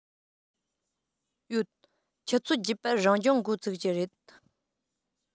ཡོད ཆུ ཚོད བརྒྱད པར རང སྦྱོང འགོ ཚུགས ཀྱི རེད